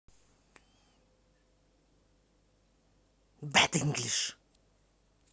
bad english